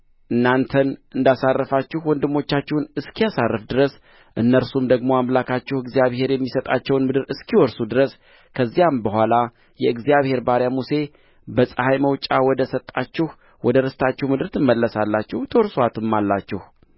እናንተን እንዳሳረፋችሁ ወንድሞቻችሁን እስኪያሳርፍ ድረስ እነርሱም ደግሞ አምላካችሁ እግዚአብሔር የሚሰጣቸውን ምድር እስኪወርሱ ድረስ ከዚያም በኋላ የእግዚአብሔር ባሪያ ሙሴ በፀሐይ መውጫ ወደ ሰጣችሁ ወደ ርስታችሁ ምድር ትመለሳላችሁ ትወርሱአትማላችሁ